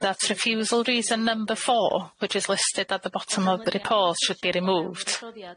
that refusal reason number four which is listed at the bottom of the report should be removed.